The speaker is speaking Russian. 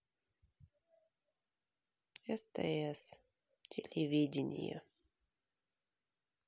стс телевидение